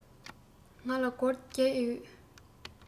ང ལ སྒོར བརྒྱད ཡོད